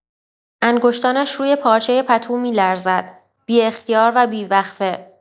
انگشتانش روی پارچۀ پتو می‌لرزد، بی‌اختیار و بی‌وقفه.